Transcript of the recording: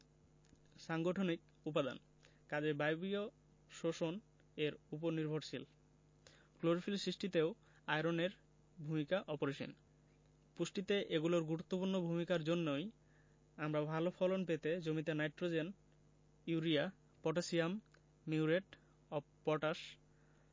সাংগঠনিক উপাদান কাজেই বায়বীয় শ্বসন এর উপর নির্ভরশীল ক্লোরোফিল সৃষ্টিতেও আয়রনের ভূমিকা অপরিসীম পুষ্টিতে এগুলোর গুরুত্বপূর্ণ ভূমিকার জন্যই আমরা ভালো ফলন পেতে জমিতে nitrogen urea potassium muriate of potash